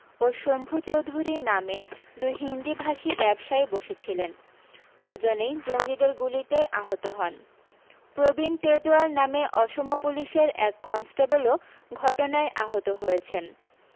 ও শম্ভু চোধুরী নামে দুই হিন্দিভাষী ব্যবসায়ী বসেছিলেন দুজনেই জঙ্গিদের গুলিতে আহত হন প্রবীণ তেজোয়াল নামে অসম পুলিশের এক কনস্টেবলও ঘটনায় আহত হয়েছেন